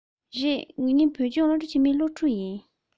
རེད ང གཉིས བོད ལྗོངས སློབ གྲ ཆེན མོའི སློབ ཕྲུག ཡིན